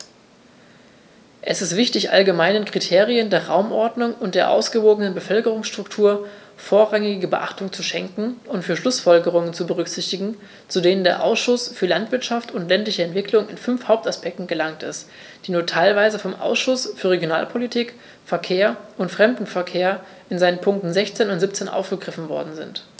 Es ist wichtig, allgemeinen Kriterien der Raumordnung und der ausgewogenen Bevölkerungsstruktur vorrangige Beachtung zu schenken und die Schlußfolgerungen zu berücksichtigen, zu denen der Ausschuss für Landwirtschaft und ländliche Entwicklung in fünf Hauptaspekten gelangt ist, die nur teilweise vom Ausschuss für Regionalpolitik, Verkehr und Fremdenverkehr in seinen Punkten 16 und 17 aufgegriffen worden sind.